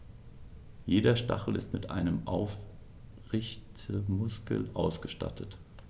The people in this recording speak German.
Jeder Stachel ist mit einem Aufrichtemuskel ausgestattet.